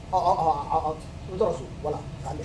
Ɔ u taa furu wala